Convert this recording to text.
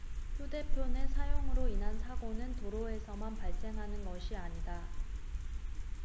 휴대폰의 사용으로 인한 사고는 도로에서만 발생하는 것이 아니다